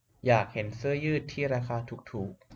อยากเห็นเสื้อยืดที่ราคาถูกถูก